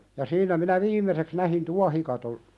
ja siinä minä viimeiseksi näin tuohikaton